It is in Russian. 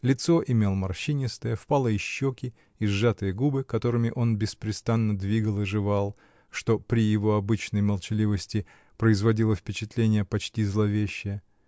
лицо имел морщинистое, впалые щеки и сжатые губы, которыми он беспрестанно двигал и жевал, что, при его обычной молчаливости, производило впечатление почти зловещее